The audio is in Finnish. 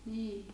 niin